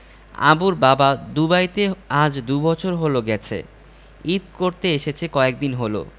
আবুর বাবা দুবাইতে আজ দুবছর হলো গেছে ঈদ করতে এসেছে কয়েকদিন হলো